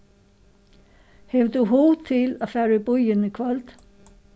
hevur tú hug til at fara í býin í kvøld